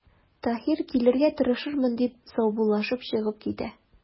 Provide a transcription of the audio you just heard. Таһир:– Килергә тырышырмын,– дип, саубуллашып чыгып китә.